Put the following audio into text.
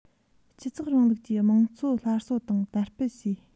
སྤྱི ཚོགས རིང ལུགས ཀྱི དམངས གཙོ སླར གསོ དང དར སྤེལ བྱས